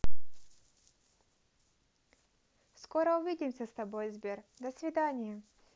скоро увидимся с тобой сбер до свидания